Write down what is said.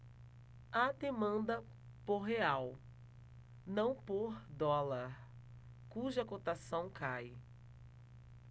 há demanda por real não por dólar cuja cotação cai